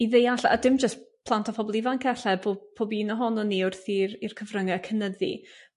i ddeall a dim jyst plant o phobol ifanc ella bo- pob un ohonon ni wrth i'r i'r cyfrynge cynyddu